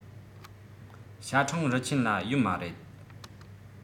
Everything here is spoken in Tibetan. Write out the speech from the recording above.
ཞ ཁྲེང རུ ཆེན ལ ཡོད མ རེད